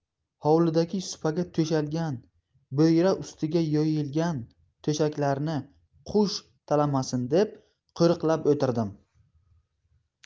hovlidagi supaga to'shalgan bo'yra ustiga yoyilgan turshaklarni qush talamasin deb qo'riqlab o'tirdim